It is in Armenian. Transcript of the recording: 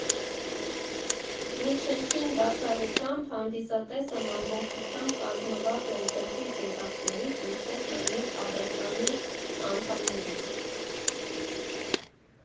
Մի չնչին բացառությամբ՝ հանդիսատեսն ամբողջությամբ կազմված էր դրսից եկածներից, ինչպես նաև Աբաստանի անդամներից։